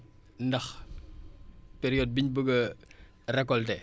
ndax période bi ñu bëgg récolter